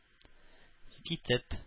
Китеп